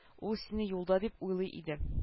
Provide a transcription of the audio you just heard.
Ул сине юлда дип уйлый иде